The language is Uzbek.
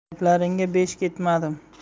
gaplaringga besh ketmadim